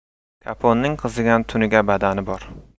kopponning qizigan tunuka badani bor